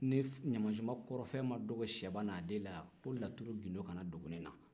ni ɲamantonba kɔrɔ fɛn ma dogon cɛba n'a den na ko laburu gindo kana dogo ne na